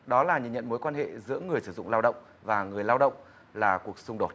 đó là nhìn nhận mối quan hệ giữa người sử dụng lao động và người lao động là cuộc xung đột